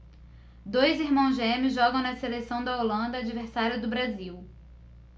dois irmãos gêmeos jogam na seleção da holanda adversária do brasil